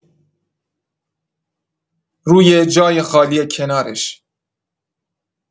روی جای خالی کنارش